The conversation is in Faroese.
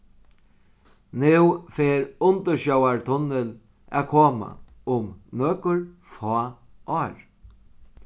nú fer undirsjóvartunnil at koma um nøkur fá ár